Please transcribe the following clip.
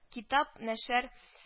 Китап нәшәр